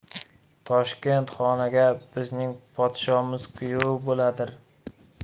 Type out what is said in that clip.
toshkent xoniga bizning podshomiz kuyov bo'ladir